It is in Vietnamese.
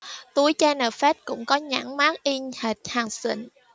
túi chanel fake cũng có nhãn mác y hệt hàng xịn